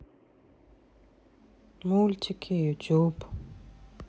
мультики ютюб